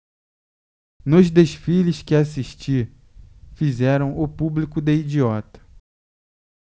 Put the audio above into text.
nos desfiles que assisti fizeram o público de idiota